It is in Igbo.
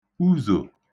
uzò